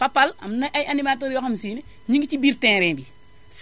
Fapal am na ay animateurs yoo xam ne sii ne ñi ngi ci biir terrain bi